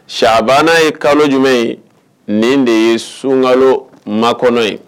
Cɛbana n ye kalo jumɛn ye nin de ye sunka ma kɔnɔ ye